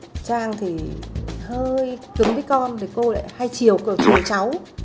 còn trang thì hơi cứng với con còn cô hai chiều cực chiều cháu